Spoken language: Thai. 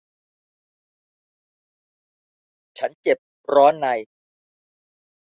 ฉันเจ็บร้อนใน